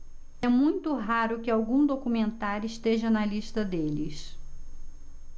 é muito raro que algum documentário esteja na lista deles